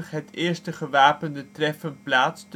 het eerste gewapende treffen plaats